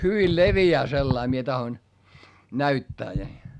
hyvin leviää sellainen minä tahdon näyttää niin